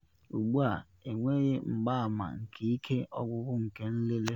Ugbu a, enweghị mgbama nke ike ọgwụgwụ nke nlele.